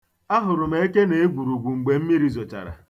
Anyị enyepula ọrụngo ruru 50 kamgbe anyị bidoro.